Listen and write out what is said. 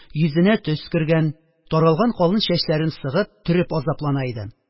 Йөзенә төс кергән, таралган калын чәчләрен сыгып, төреп азаплана иде